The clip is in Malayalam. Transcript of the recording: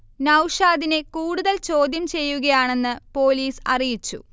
നൗഷാദിനെ കൂടുതൽ ചോദ്യം ചെയ്യുകയാണെന്ന് പോലീസ് അറിയിച്ചു